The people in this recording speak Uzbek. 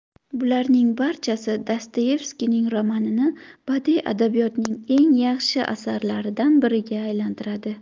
bularning barchasi dostoyevskiyning romanini badiiy adabiyotning eng yaxshi asarlaridan biriga aylantiradi